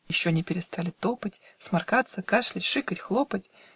Еще не перестали топать, Сморкаться, кашлять, шикать, хлопать